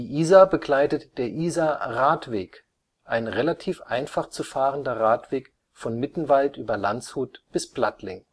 Isar begleitet der Isar-Radweg, ein relativ einfach zu fahrender Radweg, von Mittenwald über Landshut bis Plattling